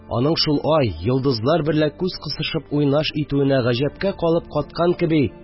Аның шул ай, йолдызлар берлә күз кысышып уйнаш итүенә гаҗәпкә калып каткан кеби